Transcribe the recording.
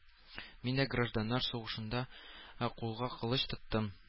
Мин дә гражданнар сугышында кулга кылыч тоттым